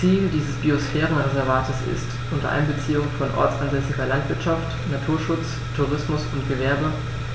Ziel dieses Biosphärenreservates ist, unter Einbeziehung von ortsansässiger Landwirtschaft, Naturschutz, Tourismus und Gewerbe